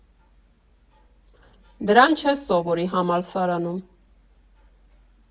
Դրան չես սովորի համալսարանում։